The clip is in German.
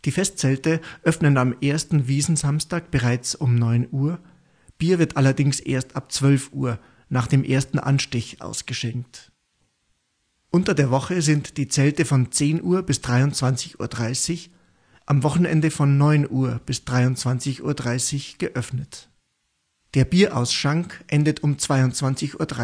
Festzelte öffnen am ersten Wiesn-Samstag bereits um 9:00 Uhr, Bier wird allerdings erst ab 12:00 Uhr nach dem ersten Anstich ausgeschenkt. Unter der Woche sind die Zelte von 10:00 Uhr bis 23:30 Uhr, am Wochenende von 9:00 Uhr bis 23:30 Uhr geöffnet. Der Bierausschank endet um 22:30 Uhr